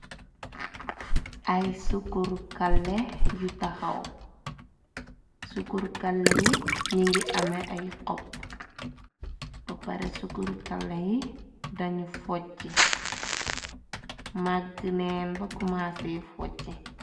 Ay sukur kàle yu taxaw sukur kale yi ñi ngi ame ay xopp ba pare sukur kalle yi dañu fojci maggneen bakumaseef focci.